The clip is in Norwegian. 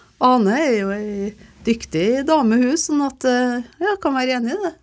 Ane er jo ei dyktig dame hun sånn at ja kan være enig i det.